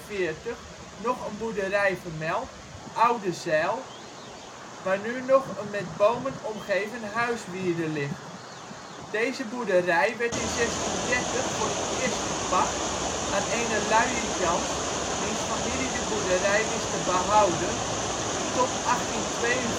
1643 nog een boerderij vermeld (Oude Zijl), waar nu nog een met bomen omgeven huiswierde ligt. Deze boerderij werd in 1630 voor het eerst verpacht aan ene Luie Jans, wiens familie de boerderij wist te behouden tot 1852